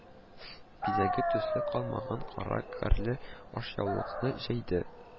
Бизәге, төсе калмаган кара керле ашъяулыкны җәйде